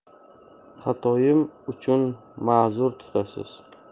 xatoim uchun ma'zur tutasiz